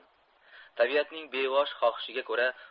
tabiatning bebosh xohishiga ko'ra